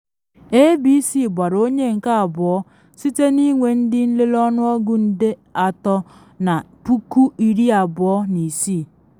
ABC gbara onye nke abụọ site na ịnwe ndị nlele ọnụọgụ nde 3.26.